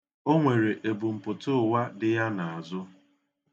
O nwere ebumputụụwa dị ya n'azụ.